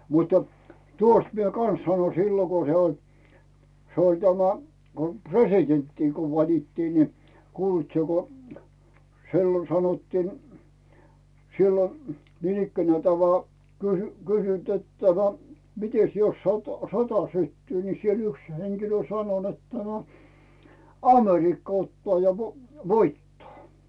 mutta tuosta minä kanssa sanoin silloin kun se oli se oli tämä kun presidenttiä kun valittiin niin kuulitko sinä kun silloin sanottiin silloin niinikään tämä on vain - kysynyt että tämä mitenkäs jos - sota syttyy niin siellä yksi henkilö sanoi niin että no Amerikka ottaa ja - voittaa